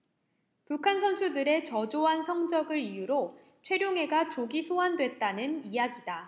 북한 선수들의 저조한 성적을 이유로 최룡해가 조기 소환됐다는 이야기다